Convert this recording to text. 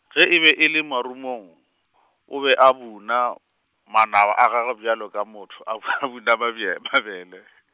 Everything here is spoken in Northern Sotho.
ge e be e le marumong, o be a buna, manaba a gagwe bjalo ka motho a bu-, a buna mabe- mabele.